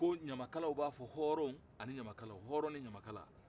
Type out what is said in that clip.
ko ɲamakalaw b'a fɔ hɔrɔn ani ɲamakalahɔrɔn ni ɲamakala